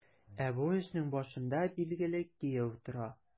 Ә бу эшнең башында, билгеле, кияү тора.